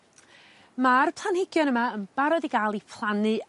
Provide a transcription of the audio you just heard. Ma'r planigion yma yn barod i ga'l 'u plannu